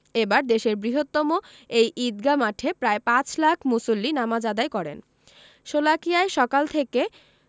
এবার দেশের বৃহত্তম এই ঈদগাহ মাঠে প্রায় পাঁচ লাখ মুসল্লি নামাজ আদায় করেন শোলাকিয়ায় সকাল থেকে